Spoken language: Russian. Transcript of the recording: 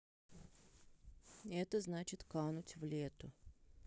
что значит кануть в лету